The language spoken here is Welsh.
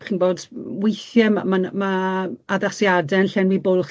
chi'n gwbod weithie ma' ma'n ma' addasiade'n llenwi bwlch